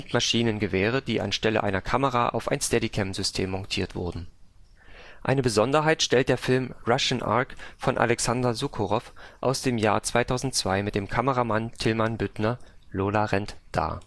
Maschinengewehre, die anstelle einer Kamera auf ein Steadicam-System montiert wurden. Eine Besonderheit stellt der Film Russian Ark von Alexander Sokurov aus dem Jahr 2002 mit dem Kameramann Tilman Büttner (Lola rennt) dar